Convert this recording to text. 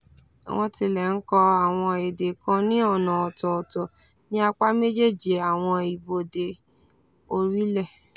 Wọ́n tilẹ̀ ń kọ àwọn èdè kan ní ọ̀nà ọ̀tọ̀ọ̀tọ̀ ní apá méjéèjì àwọn ibodè orílẹ̀.